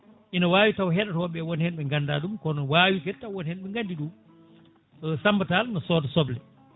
inawawi taw heɗotoɓe woon hen ɓe ganda ɗum kono wawi kadi taw woon hen ne gandi ɗum Samba Tall ne sooda soble